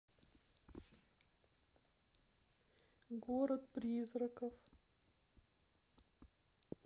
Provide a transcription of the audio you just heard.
город призраков